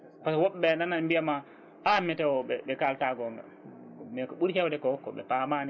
hay woɓɓeɓe nana mbiyama ha météo ɓe kalta gonga mais ko ɓuuri hewde ko kooɓe pamani